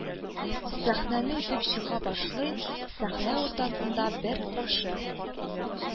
Сәхнәне үтеп чыга башлый, сәхнә уртасында бер кашык